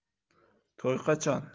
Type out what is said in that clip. to'y qachon